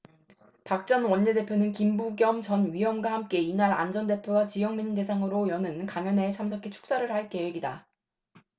박 전 원내대표는 김부겸 전 의원과 함께 이날 안 전 대표가 지역민을 대상으로 여는 강연회에 참석해 축사를 할 계획이다